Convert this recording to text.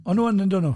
O'n nw yn, yndo'n nw?